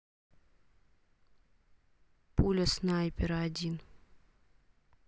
пуля снайпера один